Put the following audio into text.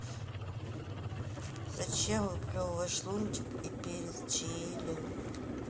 зачем выплевываешь лунтик и перец чили